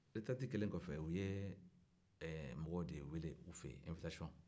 ereterɛti kɛlen kɔfɛ u ye mɔgɔw de wele u fɛ yen invitason